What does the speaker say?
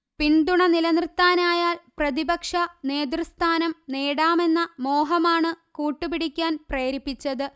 പിന്തുണ നിലനിർത്താനായാൽ പ്രതിപക്ഷ നേതൃസ്ഥാനം നേടാമെന്ന മോഹമാണ് കൂട്ടുപിടിക്കാൻപ്രേരിപ്പിച്ചത്